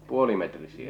puolimetrisiä